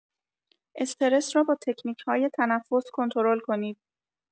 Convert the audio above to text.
استرس را با تکنیک‌های تنفس کنترل کنید.